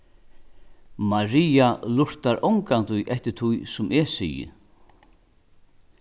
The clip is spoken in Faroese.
maria lurtar ongantíð eftir tí sum eg sigi